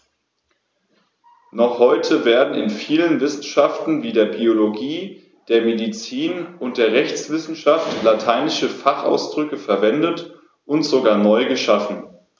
Noch heute werden in vielen Wissenschaften wie der Biologie, der Medizin und der Rechtswissenschaft lateinische Fachausdrücke verwendet und sogar neu geschaffen.